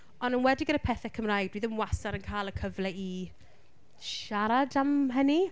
Ond yn enwedig gyda pethau Cymraeg, dwi ddim wastad yn cael y cyfle i siarad am hynny?